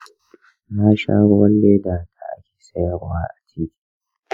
na sha ruwan leda da ake sayarwa a titi.